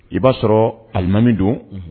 I b'a sɔrɔɔ alimami don unhun